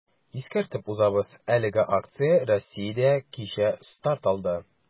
Искәртеп узабыз, әлеге акция Россиядә кичә старт алды.